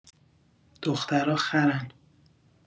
دخترا خرن